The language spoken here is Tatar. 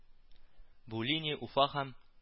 Бу линия Уфа һәм